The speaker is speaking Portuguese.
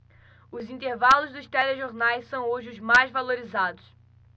os intervalos dos telejornais são hoje os mais valorizados